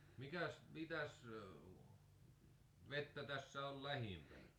mikäs mitäs vettä tässä on lähimpänä